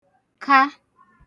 -ka